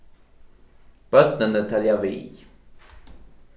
børnini telja við